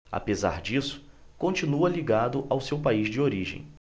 apesar disso continua ligado ao seu país de origem